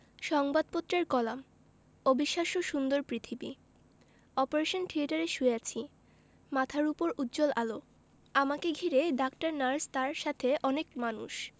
সংবাদপত্রের কলাম অবিশ্বাস্য সুন্দর পৃথিবী অপারেশন থিয়েটারে শুয়ে আছি মাথার ওপর উজ্জ্বল আলো আমাকে ঘিরে ডাক্তার নার্স তার সাথে অনেক মানুষ